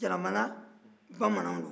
jaramana bamananw don